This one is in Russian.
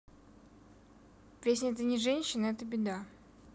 песня это не женщина это беда